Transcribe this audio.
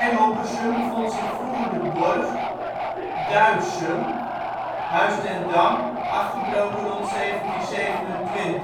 Loppersum bevond zich vroeger de borg Duirsum (Huis Den Ham; afgebroken rond 1727